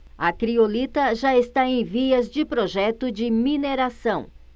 a criolita já está em vias de projeto de mineração